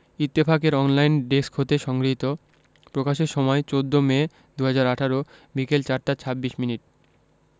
ইত্তেফাক এর online desk হতে সংগৃহীত প্রকাশের সময় ১৪মে ২০১৮ বিকেল ৪টা ২৬ মিনিট